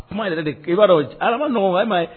Kuma yɛrɛ de te i b'a dɔɔn j al'a man nɔgɔn o e ma ye